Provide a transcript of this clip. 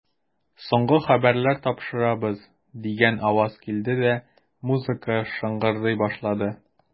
Соңгы хәбәрләр тапшырабыз, дигән аваз килде дә, музыка шыңгырдый башлады.